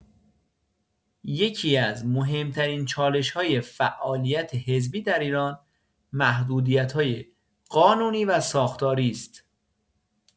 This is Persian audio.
یکی‌از مهم‌ترین چالش‌های فعالیت حزبی در ایران، محدودیت‌های قانونی و ساختاری است.